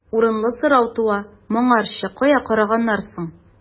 Урынлы сорау туа: моңарчы кая караганнар соң?